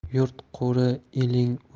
yurt qo'ri eling